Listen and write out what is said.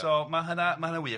So ma' hynna ma' hynna'n wych.